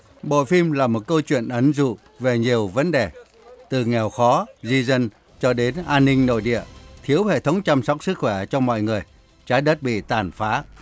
bộ phim là một câu chuyện ẩn dụ về nhiều vấn đề từ nghèo khó di dân cho đến an ninh nội địa thiếu hệ thống chăm sóc sức khỏe cho mọi người trái đất bị tàn phá